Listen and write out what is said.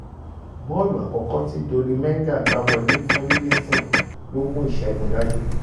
Bọ́ọ̀lù àkọ́kọ́ tí Dolly Menga gbá wọlé fún Livingston ló mú ìṣẹ́gun dájú